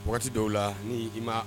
Waati dɔw' la ni i ma